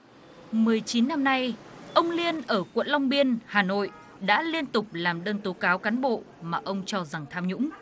mười chín năm nay ông liên ở quận long biên hà nội đã liên tục làm đơn tố cáo cán bộ mà ông cho rằng tham nhũng